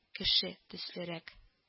Кеше төслерәк